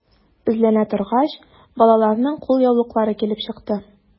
Эзләнә торгач, балаларның кулъяулыклары килеп чыкты.